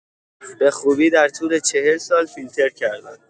به خوبی در طول ۴۰ سال فیلتر کردن